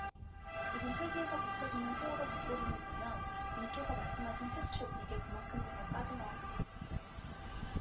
지금 헬기에서 비춰주는 세월호 뒷부분을 보면 님께서 말씀하신 세 축 이게 그만큼 배가 빠져나온 겁니다